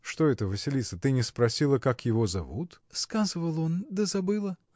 — Что это, Василиса, ты не спросила, как его зовут!. — Сказывал он, да забыла.